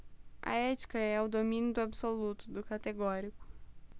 a ética é o domínio do absoluto do categórico